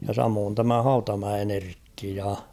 ja samoin tämä Hautamäen Erkki ja